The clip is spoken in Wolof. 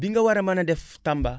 bi nga war a mën a def Tamba